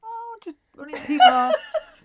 O dwi- O'n i'n teimlo...